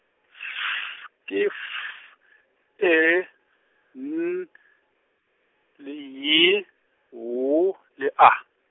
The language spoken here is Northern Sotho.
F ke F, E, N, le Y, W, le A.